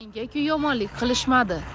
menga ku yomonlik qilishmadi